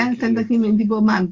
A pan dach chi'n mynd i bob man.